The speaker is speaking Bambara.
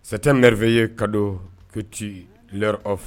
Sɛmee ye ka don kuti la fɛ